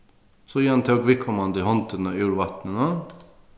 síðani tók viðkomandi hondina úr vatninum